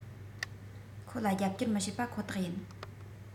ཁོ ལ རྒྱབ སྐྱོར མི བྱེད པ ཁོ ཐག ཡིན